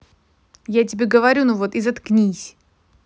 я тебе говорю ну вот и заткнись